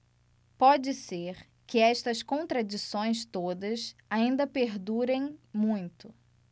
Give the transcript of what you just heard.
pode ser que estas contradições todas ainda perdurem muito